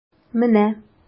Менә...